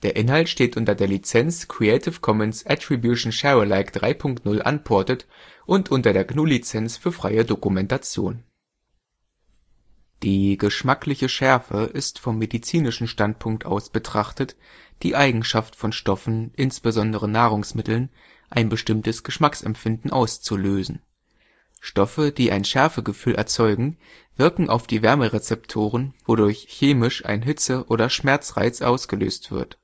Inhalt steht unter der Lizenz Creative Commons Attribution Share Alike 3 Punkt 0 Unported und unter der GNU Lizenz für freie Dokumentation. Die geschmackliche Schärfe ist vom medizinischen Standpunkt aus betrachtet die Eigenschaft von Stoffen, insbesondere Nahrungsmitteln, ein bestimmtes Geschmacksempfinden auszulösen. Stoffe, die ein Schärfegefühl erzeugen, wirken auf die Wärmerezeptoren, wodurch chemisch ein Hitze - oder Schmerzreiz ausgelöst wird